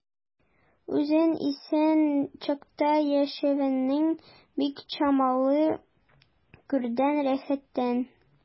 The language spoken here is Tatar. Үзең исән чакта яшәвеңнең бик чамалы күрдең рәхәтен.